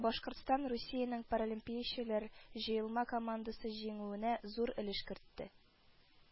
Башкортстан Русиянең паралимпиячеләр җыелма командасы җиңүенә зур өлеш кертте